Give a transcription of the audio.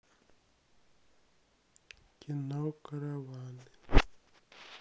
кино караваны